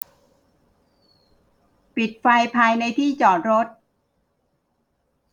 ปิดไฟภายในที่จอดรถ